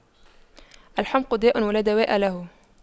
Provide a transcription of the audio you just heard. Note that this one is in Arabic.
الحُمْقُ داء ولا دواء له